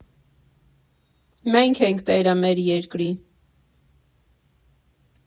֊ Մենք ենք տերը մեր երկրի։